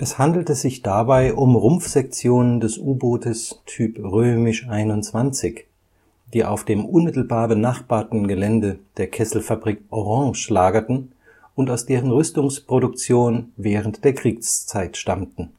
handelte sich dabei um Rumpfsektionen des U-Bootes Typ XXI, die auf dem unmittelbar benachbarten Gelände der Kesselfabrik Orange lagerten und aus deren Rüstungsproduktion während der Kriegszeit stammten